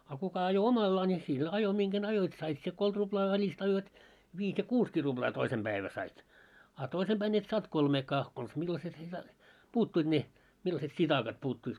a kuka ajoi omallaan niin sillä ajoi minkä ajoit sait sinä kolme ruplaa välistä ajoit viisi ja kuusikin ruplaa toisen päivänä sait a toisen päin et saanut kolmeakaan konsa millaiset ne - puuttui ne millaiset sitakat puuttuivat